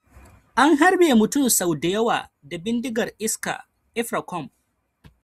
An harbe mutum sau da yawa da bindigar iska a Ilfracombe